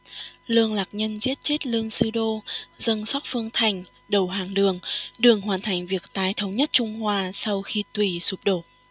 lương lạc nhân giết chết lương sư đô dâng sóc phương thành đầu hàng đường đường hoàn thành việc tái thống nhất trung hoa sau khi tùy sụp đổ